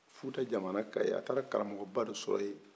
futa jamana kan yen a taara karamɔgɔba dɔ sɔrɔ yen